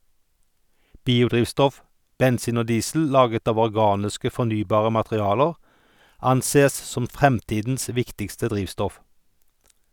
Biodrivstoff - bensin og diesel laget av organiske, fornybare materialer ansees som fremtidens viktigste drivstoff.